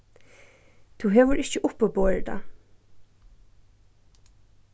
tú hevur ikki uppiborið tað